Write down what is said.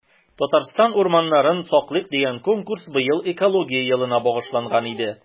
“татарстан урманнарын саклыйк!” дигән конкурс быел экология елына багышланган иде.